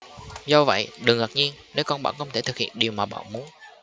do vậy đừng ngạc nhiên nếu con bạn không thể thực hiện điều mà bạn muốn